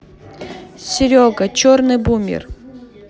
серега черный бумер